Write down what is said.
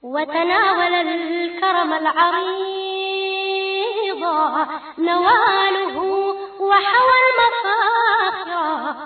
Wa faama bɔ naamubugu wa